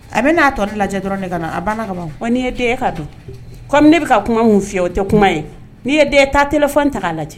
A bɛ na tɔnin lajɛ dɔrɔn de ka na. A ban na ka ban . Ni ye den ye ka don. Comme ne bi ka kuma mun fi ye , o tɛ kuma ye. Ni ye den ye taa téléphone ta ko lajɛ.